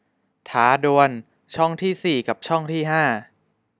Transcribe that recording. ท้าดวลช่องที่สี่กับช่องที่ห้า